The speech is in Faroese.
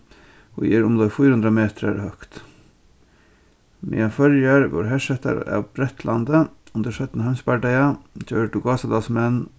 ið er umleið fýra hundrað metrar høgt meðan føroyar vóru hersettar av bretlandi undir seinna heimsbardaga gjørdu gásadalsmenn